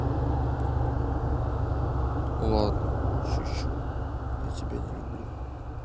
ладно я шучу я тебя не люблю